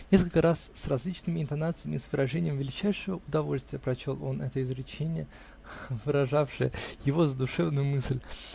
Несколько раз, с различными интонациями и с выражением величайшего удовольствия, прочел он это изречение, выражавшее его задушевную мысль